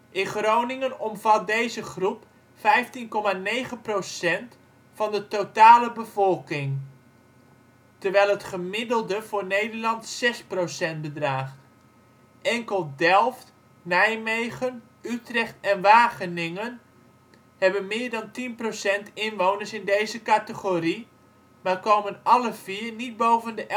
In Groningen omvat deze groep 15,9 % van de totale bevolking, terwijl het gemiddelde voor Nederland 6,0 % bedraagt. Enkel Delft, Nijmegen, Utrecht en Wageningen hebben meer dan 10 % inwoners in deze categorie, maar komen alle vier niet boven de